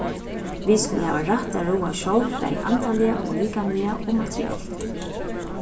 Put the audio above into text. vit skulu hava rætt at ráða sjálv bæði andaliga og likamliga og materielt